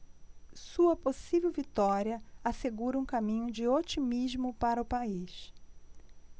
sua possível vitória assegura um caminho de otimismo para o país